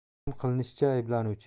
ma'lum qilinishicha ayblanuvchi